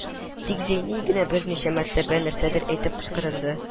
Тик Зәйни генә берничә мәртәбә нәрсәдер әйтеп кычкырынды